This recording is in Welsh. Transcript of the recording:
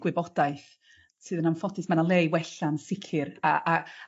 gwybodaeth sydd yn anffodus ma' 'na le i wella'n sicir a a